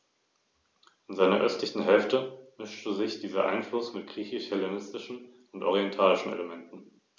Neben seiner neuen Rolle als Seemacht trugen auch die eroberten Silberminen in Hispanien und die gewaltigen Reparationen, die Karthago zu leisten hatte, zu Roms neuem Reichtum bei.